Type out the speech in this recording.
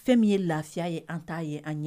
Fɛn min ye lafiya ye an t'a ye an ɲɛ